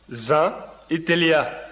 nsan i teliya